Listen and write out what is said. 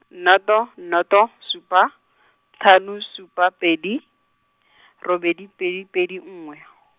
noto, noto, supa, tlhano supa, pedi , robedi pedi pedi nngwe .